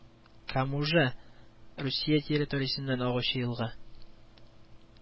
Комужа Русия территориясеннән агучы елга